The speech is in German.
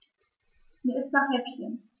Mir ist nach Häppchen.